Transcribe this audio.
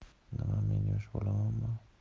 nima men yosh bolamanmi